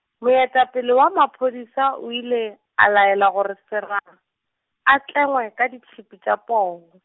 moetapele wa maphodisa o ile, a laela gore Seraga, a tlengwe ka ditšhipi tša poo.